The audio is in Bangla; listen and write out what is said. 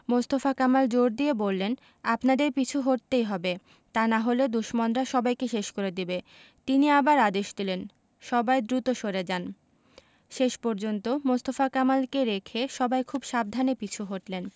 মোস্তফা কামাল জোর দিয়ে বললেন আপনাদের পিছু হটতেই হবে তা না হলে দুশমনরা সবাইকে শেষ করে দেবে তিনি আবার আদেশ দিলেন সবাই দ্রুত সরে যান শেষ পর্যন্ত মোস্তফা কামালকে রেখে সবাই খুব সাবধানে পিছু হটলেন